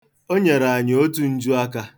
O nyere anyị otu njuaka.